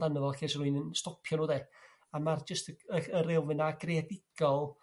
dano fo lle 'sa rywun yn stopio nhw 'de a ma'r jyst y ch- yr elfen 'na greadigol,